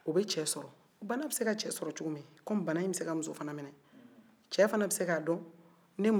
cɛ fana bɛ se ka dɔn ne muso de ye nin ye